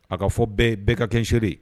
A ka fɔ bɛɛ bɛɛ ka kɛnsɛurere